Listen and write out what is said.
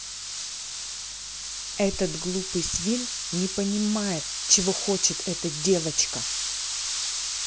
этот глупый свин не понимает чего хочет эта девочка